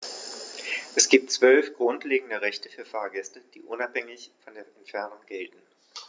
Es gibt 12 grundlegende Rechte für Fahrgäste, die unabhängig von der Entfernung gelten.